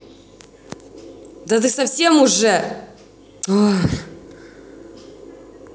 да ты совсем уже ох